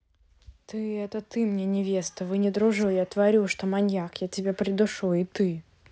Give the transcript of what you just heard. ты это ты мне невеста вы не дружу я творю что маньяк я тебя придушу и ты